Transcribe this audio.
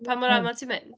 Pa mor aml ti'n mynd?